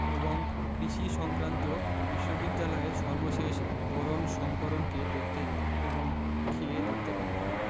এবং কৃষি সংক্রান্ত বিশ্ববিদ্যালয়ের সর্বশেষ বরণসংকরকে দেখতে এবং খেয়ে দেখতে পারে